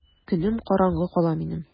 Көнем караңгы кала минем!